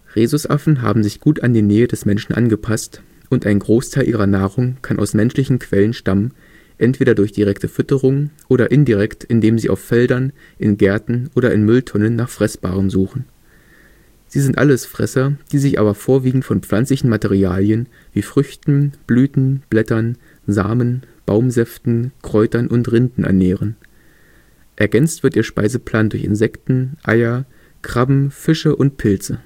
Rhesusaffen haben sich gut an die Nähe des Menschen angepasst, und ein Großteil ihrer Nahrung kann aus menschlichen Quellen stammen, entweder durch direkte Fütterung oder indirekt indem sie auf Feldern, in Gärten oder in Mülltonnen nach Fressbarem suchen. Sie sind Allesfresser, die sich aber vorwiegend von pflanzlichen Materialien wie Früchten, Blüten, Blättern, Samen, Baumsäften, Kräutern und Rinden ernähren. Ergänzt wird ihr Speiseplan durch Insekten, Eier, Krabben, Fische und Pilze